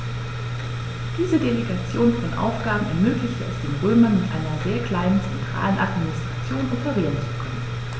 Diese Delegation von Aufgaben ermöglichte es den Römern, mit einer sehr kleinen zentralen Administration operieren zu können.